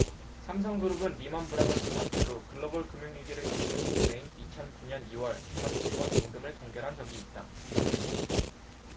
삼성그룹은 리먼브라더스 사태로 글로벌 금융위기를 겪은 이듬해인 이천 구 년 이 월 전 직원 임금을 동결한 적이 있다